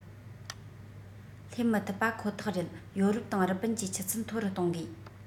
སླེབས མི ཐུབ པ ཁོ ཐག རེད ཡོ རོབ དང རི པིན གྱི ཆུ ཚད མཐོ རུ གཏོང དགོས